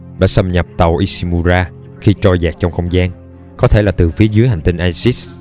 đã xâm nhập tàu ishimura khi trôi dạt trong không gian có thể là từ phía dưới hành tinh aegis